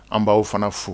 An b'aw fana fo